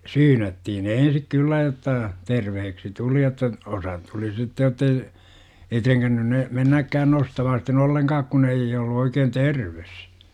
syynättiin ne ensin kyllä jotta terveeksi tuli jotta osa tuli sitten jotta ei trengännyt ne mennäkään nostamaan sitten ollenkaan kun ei ollut oikein terve